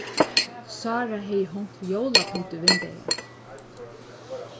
sára hevði hongt jólapynt í vindeygað